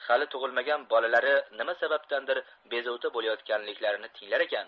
hali tug'ilmagan bolalari nima sababdandir bezovta bo'layotganliklarini tinglarkan